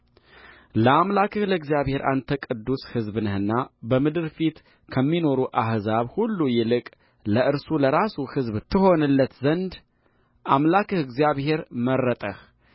ለአምላክህ ለእግዚአብሔር አንተ ቅዱስ ሕዝብ ነህና በምድር ፊት ከሚኖሩ አሕዛብ ሁሉ ይልቅ ለእርሱ ለራሱ ሕዝብ ትሆንለት ዘንድ አምላክህ እግዚአብሔር መረጠህ